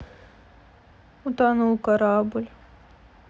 утонул корабль